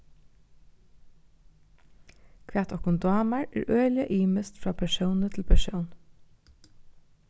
hvat okkum dámar er øgiliga ymiskt frá persóni til persón